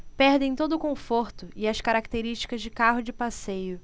perdem todo o conforto e as características de carro de passeio